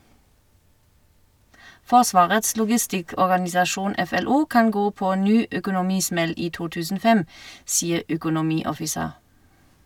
Forsvarets logistikkorganisasjon (FLO) kan gå på ny økonomismell i 2005, sier økonomioffiser.